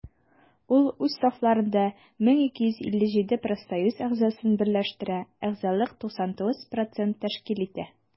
Ул үз сафларында 1257 профсоюз әгъзасын берләштерә, әгъзалык 99 % тәшкил итә.